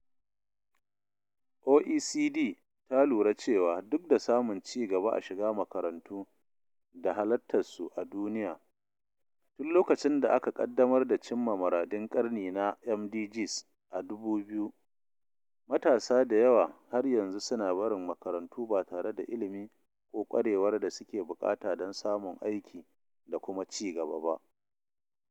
OECD ta lura cewa duk da samun ci gaba a shiga makarantu da halarta su a duniya, tun lokacin da aka ƙaddamar da cimma muradun ƙarni na MDGs a 2000, matasa da yawa har yanzu suna barin makarantu ba tare da ilimi ko ƙwarewar da suke buƙata don samun aiki da kuma ci gaba ba.